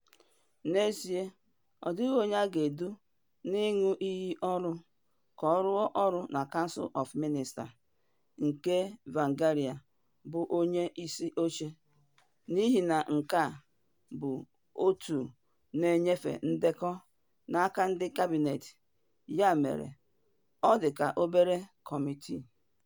N'ezie, ọ dịghị onye a ga-edu n'ịṅu iyi ọrụ ka ọ rụọ ọrụ na Council of Minister (nke Tsvangirai bụ onye isi oche), n'ihi na nke a bụ òtù na-enyefe ndekọ n'aka ndị kabịnet, ya mere ọ dịka obere kọmitii.